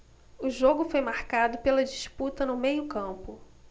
o jogo foi marcado pela disputa no meio campo